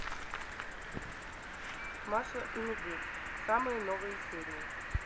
маша и медведь самые новые серии